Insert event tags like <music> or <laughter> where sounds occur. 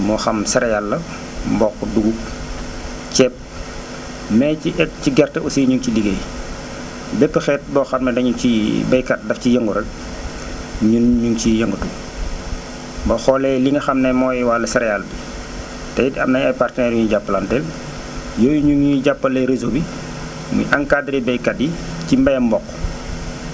moo xam céréale la <noise> mboq dugub <noise> ceeb <noise> mais ci é ci gerte aussi ñu ngi siy liggéey <noise> bépp xeet boo xam ne dañu ciy <noise> baykat daf ciy yëngu rek <noise> ñun ñu ngi ciy yëngatu <noise> boo xoolee li nga xam ne mooy wàllu céréale bi <noise> te it am nañ ay partenaires yu ñuy jàppalanteel <noise> yooyu ñu ngi ñuy jàppale réseau bi <noise> muy encadré baykat yi <noise> ci mbayam mboq <noise>